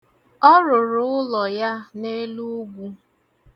Ọ rụrụ ụlọ ya n'elu ugwu.